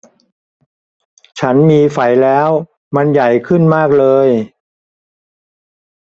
ฉันมีไฝแล้วมันใหญ่ขึ้นมากเลย